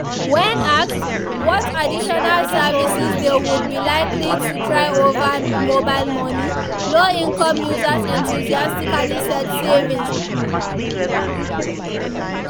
When asked what additional services they would be likely to try over mobile money, low-income users enthusiastically said savings (65%).